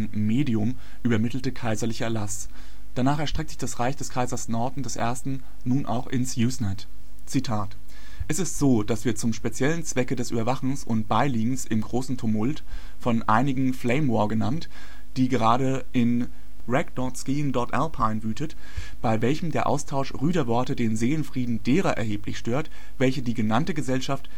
Medium “übermittelte kaiserliche Erlass: Danach erstreckt sich das Reich des Kaisers Norton I. nun auch ins Usenet. Es ist so, dass wir zum speziellen Zweck des Überwachens und Beilegens im großen Tumult, von einigen Flame War genannt, der gerade in rec.skiing.alpine wütet; bei welchem der Austausch rüder Worte den Seelenfrieden derer erheblich stört, welche die genannte Gesellschaft